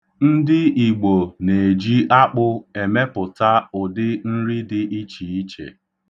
Ndị Igbo na-eji akpụ emepụta ụdị nri dị ichiiche.